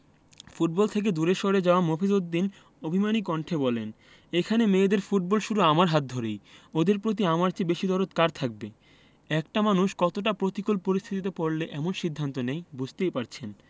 football থেকে দূরে সরে যাওয়া মফিজ উদ্দিন অভিমানী কণ্ঠে বললেন এখানে মেয়েদের ফুটবল শুরু আমার হাত ধরেই ওদের প্রতি আমার চেয়ে বেশি দরদ কার থাকবে একটা মানুষ কতটা প্রতিকূল পরিস্থিতিতে পড়লে এমন সিদ্ধান্ত নেয় বুঝতেই পারছেন